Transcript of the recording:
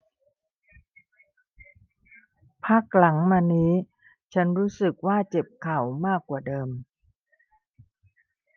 พักหลังมานี้ฉันรู้สึกว่าเจ็บเข่ามากกว่าเดิม